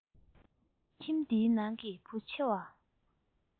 ཁྱིམ འདིའི ནང གི བུ ཆེ བ